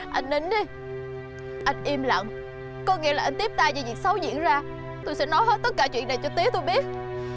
anh nín đi anh im lặng có nghĩa là anh tiếp tay cho việc xấu diễn ra tôi sẽ nói hết tất cả chuyện này cho tía tôi biết